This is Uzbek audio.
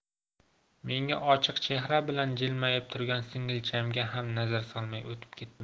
menga ochiq chehra bilan jilmayib turgan singilchamga ham nazar solmay o'tib ketdim